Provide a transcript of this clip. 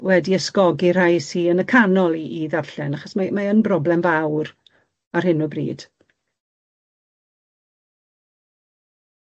wedi ysgogi rhai sy yn y canol i i ddarllen, achos mae mae yn broblem fawr ar hyn o bryd.